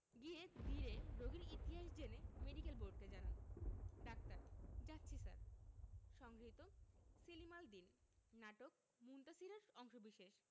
গিয়ে ধীরে রোগীর ইতিহাস জেনে মেডিকেল বোর্ডকে জানান ডাক্তার যাচ্ছি স্যার সংগৃহীত সেলিম আল দীন নাটক মুনতাসীর এর অংশবিশেষ